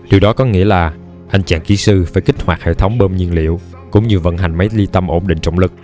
điều đó có nghĩa là anh chàng kỹ sư phải kích hoạt hệ thống bơm nhiên liệu cũng như vận hành máy ly tâm ổn định trọng lực